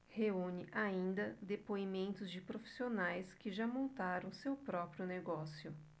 reúne ainda depoimentos de profissionais que já montaram seu próprio negócio